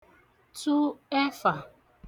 tu ẹfà